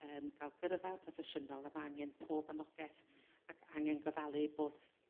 yrm ga'l gyrfa broffesiynol a bo' angen pob anog'eth ac angen gofalu 'u bod